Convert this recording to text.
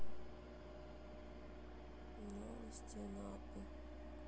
новости анапы